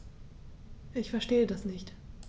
Ich verstehe das nicht.